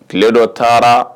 Tile dɔ taara